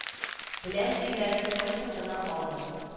Беләм җирләрнең кайсын гына алма